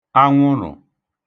anwụrụ̀